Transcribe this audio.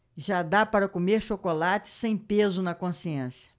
já dá para comer chocolate sem peso na consciência